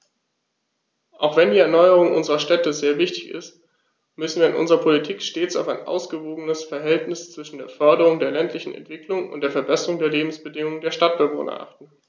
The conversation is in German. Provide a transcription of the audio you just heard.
Auch wenn die Erneuerung unserer Städte sehr wichtig ist, müssen wir in unserer Politik stets auf ein ausgewogenes Verhältnis zwischen der Förderung der ländlichen Entwicklung und der Verbesserung der Lebensbedingungen der Stadtbewohner achten.